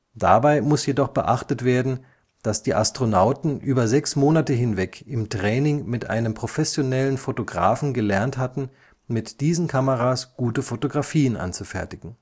Dabei muss jedoch beachtet werden, dass die Astronauten über sechs Monate hinweg im Training mit einem professionellen Fotografen gelernt hatten, mit diesen Kameras gute Fotografien anzufertigen